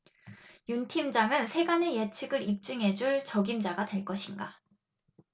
윤 팀장은 세간의 예측을 입증해 줄 적임자가 될 것인가